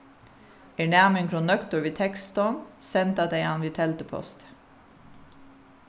er næmingurin nøgdur við tekstin senda tey hann við telduposti